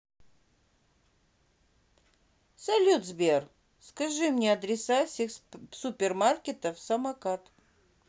салют сбер скажи мне адреса всех супермаркетов самокат